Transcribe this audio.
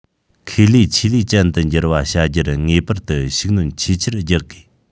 ཁེ ལས ཆེད ལས ཅན དུ འགྱུར བ བྱ རྒྱུར ངེས པར དུ ཤུགས སྣོན ཆེས ཆེར རྒྱག དགོས